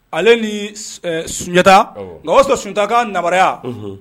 Ale ni sunjatata nka wa sɔrɔ sunjatatakan namaruyaya